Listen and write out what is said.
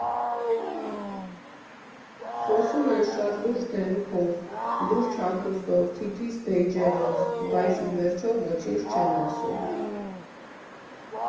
Խոսում են շատ լուրջ դեմքով, լուրջ հագուստով, թիթիզ բեյջերով, բայց ի վերջո ոչինչ չեն ասում։